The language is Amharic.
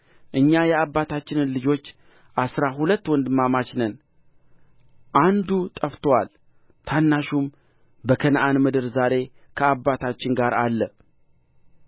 እኛ የአባታችን ልጆች አሥራ ሁለት ወንድማማች ነን አንዱ ጠፍቶአል ታናሹም በከነዓን ምድር ዛሬ ከአባታችን ጋር አለ